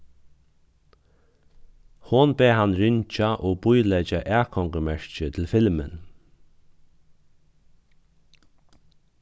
hon bað hann ringja og bíleggja atgongumerki til filmin